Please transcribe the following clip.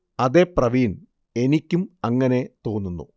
അതേ പ്രവീൺ എനിക്കും അങ്ങനെ തോന്നുന്നു